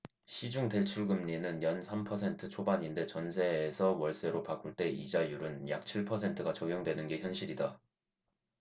시중 대출금리는 연 삼 퍼센트 초반인데 전세에서 월세로 바꿀 때 이자율은 약 칠 퍼센트가 적용되는 게 현실이다